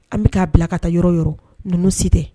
An bɛ k'a bila ka taa yɔrɔ yɔrɔ numu si tɛ